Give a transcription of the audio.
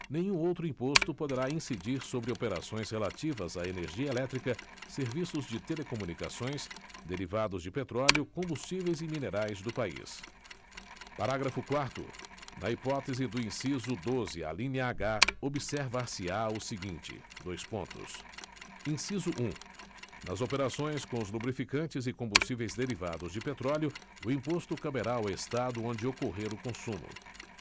nenhum outro imposto poderá incidir sobre operações relativas a energia elétrica serviços de telecomunicações derivados de petróleo combustíveis e minerais do país parágrafo quarto na hipótese do inciso doze alínea h observar se á o seguinte dois pontos inciso um nas operações com os lubrificantes e combustíveis derivados de petróleo o imposto caberá ao estado onde ocorrer o consumo